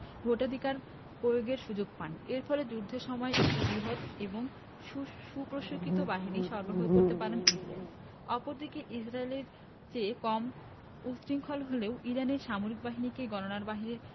ভোটাধিকার প্রয়োগের সুযোগ পান এর ফলে যুদ্ধের সময় একটি বৃহৎ এবং সুপ্রশিক্ষিত বাহিনী সরবরাহ করতে পারে ইসরায়েল অপরদিকে ইসরায়েলের চেয়ে কম সুশৃঙ্খল হলেও ইরানি সামরিক বাহিনীকে গণনার বাইরে